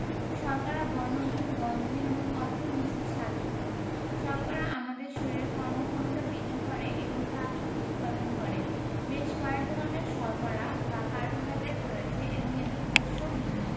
শর্করা বর্ণহীন গন্ধহীন এবং অল্প মিষ্টি স্বাদযুক্ত শর্করা আমাদের শরীরে কর্মক্ষমতা বৃদ্ধি করে এবং তাপশক্তি উৎপাদন করে বেশ কয়েক ধরনের শর্করা বা কার্বোহাইড্রেট রয়েছে এবং এদের উৎসও ভিন্ন